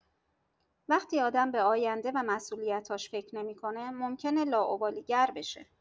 وقتی آدم به آینده و مسئولیت‌هاش فکر نمی‌کنه، ممکنه لاابالی‌گر بشه.